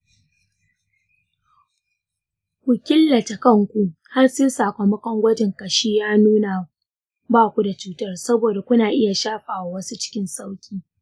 ku killace kanku har sai sakamakon gwajin kashi ya nuna baku da cutar, saboda kuna iya shafawa wasu cikin sauƙi.